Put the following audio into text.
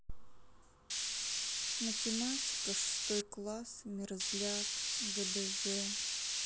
математика шестой класс мерзляк гдз